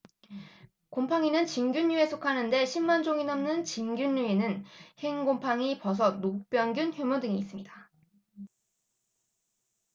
곰팡이는 진균류에 속하는데 십 만 종이 넘는 진균류에는 흰곰팡이 버섯 녹병균 효모 등이 있습니다